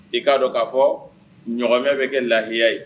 I k'a dɔn k'a fɔ ɲɔgɔnmɛ bɛ kɛ lahiya ye